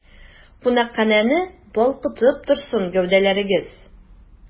Кунакханәне балкытып торсын гәүдәләрегез!